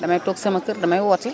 damay toog sama kër damay woote